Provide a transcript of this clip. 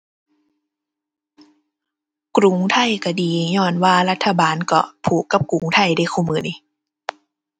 กรุงไทยก็ดีญ้อนว่ารัฐบาลก็ผูกกับกรุงไทยเดะ คุมื้อนี่